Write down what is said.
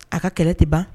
A ka kɛlɛ ti ban.